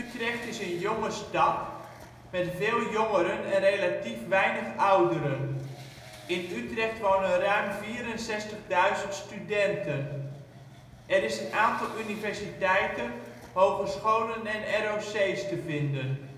Utrecht is een jonge stad, met veel jongeren en relatief weinig ouderen. In Utrecht wonen ruim 64.000 studenten; er is een aantal universiteiten, hogescholen en ROC 's te vinden